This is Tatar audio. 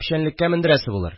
Печәнлеккә мендерәсе булыр